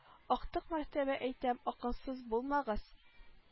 Актык мәртәбә әйтәм акылсыз булмагыз